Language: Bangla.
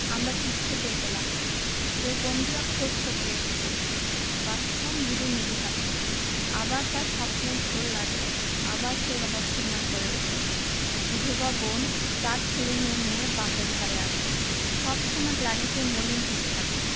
আমরা কিচ্ছু টের পেলাম না তোর বন্ধুরা খোঁজ করতে এসেছিলো বাদশা মৃদু মৃদু হাসে আবার তার স্বপ্নের ঘোর লাগে আবার সে রহস্যময় হয়ে উঠে বিধবা বোন চার ছেলেমেয়ে নিয়ে বাপের ঘাড়ে আছে সব সময় গ্লানিতে মলিন হয়ে থাকে